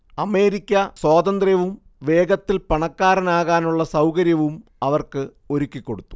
America സ്വാതന്ത്ര്യവും വേഗത്തിൽ പണക്കാരനാകാനുള്ള സൗകര്യവും അവർക്ക് ഒരുക്കിക്കൊടുത്തു